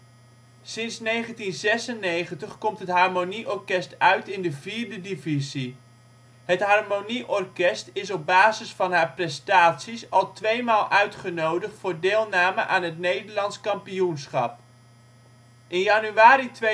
Sinds 1996 komt het harmonieorkest uit in de vierde divisie. Het Harmonie-orkest is op basis van haar prestaties al tweemaal uitgenodigd voor deelname aan het Nederlands Kampioenschap. In januari 2006